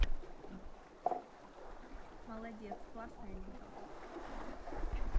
молодец классный анекдот